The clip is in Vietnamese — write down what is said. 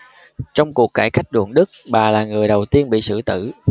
trong cuộc cải cách ruộng đất bà là người đầu tiên bị xử tử